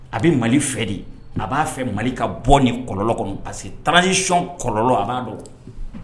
A bɛ mali fɛ de a b'a fɛ mali ka bɔ ni kɔlɔn kɔnɔ se taarazc kɔlɔn a b'a dɔn